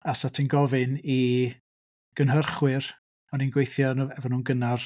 A 'sa ti'n gofyn i gynhyrchwyr o'n i'n gweithio â nhw... efo nhw'n gynnar...